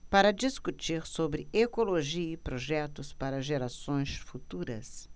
para discutir sobre ecologia e projetos para gerações futuras